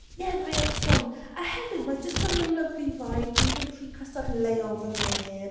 Ie, mae yn sownd. A hefyd ma' jyst gyda lovely vibe dyw hi ddim rhy cystadleuol... literally ...'da neb.